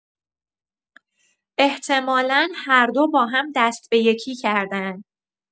احتمالا هر دو با هم دست به یکی کردن.